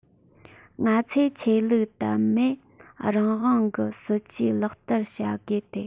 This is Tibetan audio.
ང ཚོས ཆོས ལུགས དད མོས རང དབང གི སྲིད ཇུས ལག བསྟར བྱ དགོས ཏེ